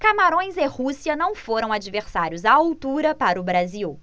camarões e rússia não foram adversários à altura para o brasil